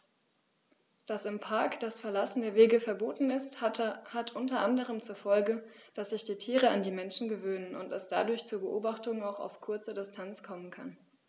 Dass im Park das Verlassen der Wege verboten ist, hat unter anderem zur Folge, dass sich die Tiere an die Menschen gewöhnen und es dadurch zu Beobachtungen auch auf kurze Distanz kommen kann.